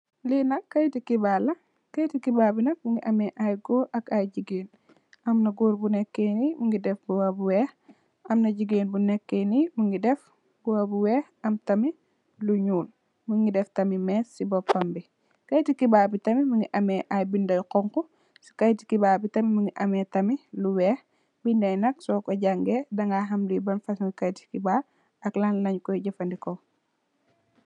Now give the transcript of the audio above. Lee nak keyete kebarr la keyete kebarr be nak muge ameh aye goor ak aye jegain amna goor bu neke nee muge def muba bu weex amna jegain bu neke nee muge def muba bu weex am tamin lu nuul muge def tamin mess se bopam be keyete kebarr be tamin muge am aye beda yu xonxo se keyete kebarr be tamin muge ameh tamin lu weex beda ye nak soku jange daga ham le ban fosunge keyete kebarr ak lanlenkoye jufaneku.